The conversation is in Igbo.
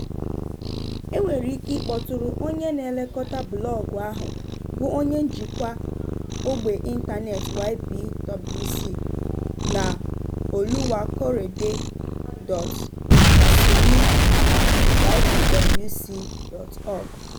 E nwere ike ịkpọtụrụ Onye na-elekọta blọọgụ ahụ bụ Onye Njikwa Ogbe Ịntanet YPWC na Oluwakorede.Asuni@ypwc.org